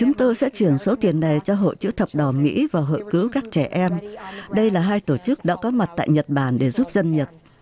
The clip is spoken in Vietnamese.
chúng tôi sẽ chuyển số tiền này cho hội chữ thập đỏ mỹ và hội cứu các trẻ em đây là hai tổ chức đã có mặt tại nhật bản để giúp dân nhật